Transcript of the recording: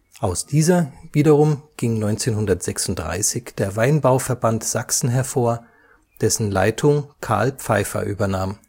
Aus dieser wiederum ging 1936 der Weinbauverband Sachsen hervor, dessen Leitung Carl Pfeiffer übernahm